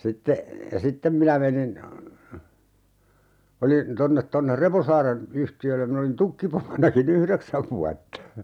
ja sitten minä menin olin tuonne tuonne Reposaaren yhtiölle minä olin tukkipomonakin yhdeksän vuotta